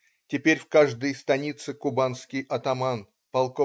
Теперь в каждой станице кубанский атаман полк.